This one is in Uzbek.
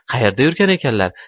qaerda yurgan ekanlar